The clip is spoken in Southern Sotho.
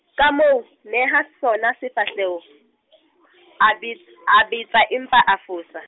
ka mo neha sona sefahleho, a be-, a betsa empa a fosa.